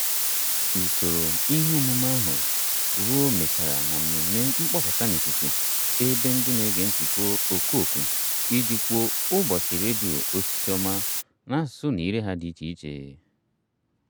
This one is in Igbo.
Usoro ihe omume ahụ ruo mechara na mmemme mkpọbata n'ikuku, ebe ndị na-ege ntĩkọ oku oku iji kwuo "Ụbọchị Redio osisi Ọma" n'asụsụ na ire ha dị iche iche: